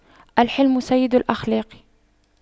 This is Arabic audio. الحِلْمُ سيد الأخلاق